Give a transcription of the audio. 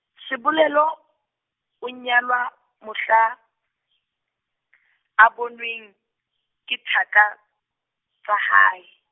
Sebolelo, o nyalwa, mohla, a bonweng, ke thaka tsa hae.